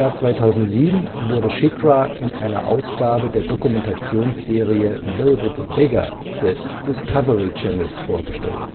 2007 wurde SheiKra in einer Ausgabe der Dokumentationsserie Build It Bigger des Discovery Channels vorgestellt